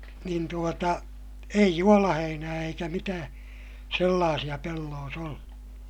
niin tuota ei juolaheinää eikä mitään sellaisia pelloissa ollut